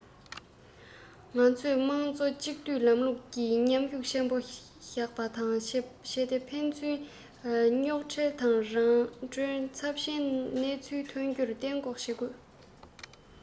ང ཚོས དམངས གཙོ གཅིག སྡུད ལམ ལུགས ཀྱི མཉམ ཤུགས ཆེན པོ ཞིག ཆགས པ བྱས ཏེ ཕན ཚུན རྙོག འཁྲིལ དང རང གྲོན ཚབས ཆེ བའི སྣང ཚུལ ཐོན རྒྱུ གཏན འགོག བྱེད དགོས